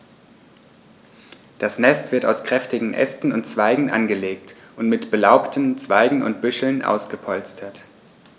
Das Nest wird aus kräftigen Ästen und Zweigen angelegt und mit belaubten Zweigen und Büscheln ausgepolstert.